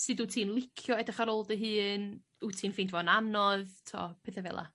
sud wt ti'n licio edrych ar ôl dy hun wt ti'n ffeindio fo'n anodd t'o' petha fel 'a.